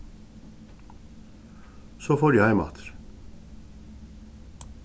so fór eg heim aftur